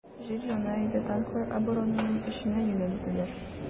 Җир яна иде, танклар оборонаның эченә юнәлделәр.